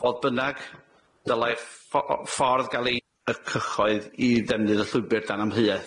Fodd bynnag, dylai ffo- ffordd ga'l ei- y cyhoedd i ddefnydd y llwybyr dan amheuaeth.